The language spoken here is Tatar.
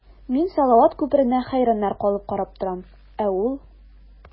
Мин салават күперенә хәйраннар калып карап торам, ә ул...